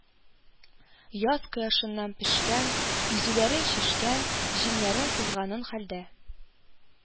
Яз кояшыннан пешкән, изүләрен чишкән, җиңнәрен сызганган хәлдә,